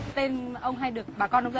tên ông hay được bà con nông